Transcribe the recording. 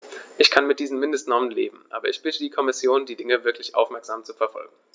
Ich kann mit diesen Mindestnormen leben, aber ich bitte die Kommission, die Dinge wirklich aufmerksam zu verfolgen.